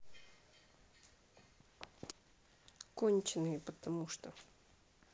конченные потому что